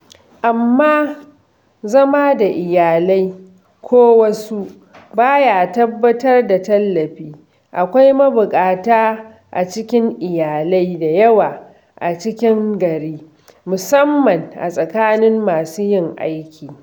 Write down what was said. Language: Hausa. Amma zama da iyalai ko wasu ba ya tabbatar da tallafi. Akwai mabuƙata cikin iyalai da yawa a cikin gari, musamman a tsakanin masu yin aiki.